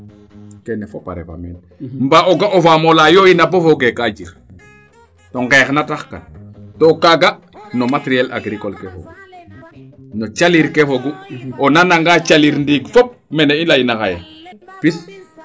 keene fop a refa meen mba o ga o faamola yooy na bpo o fooge kaa jir to ngeex na tax kan to kaaga no materiel agricole ke fogu no calir ke fogu o nana nga calir ɗiig fop mene i leyna xaye pis